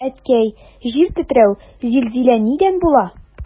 Әткәй, җир тетрәү, зилзилә нидән була?